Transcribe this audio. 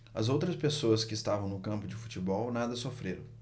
as outras pessoas que estavam no campo de futebol nada sofreram